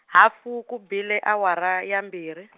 hafu ku bile awara ya mbirhi.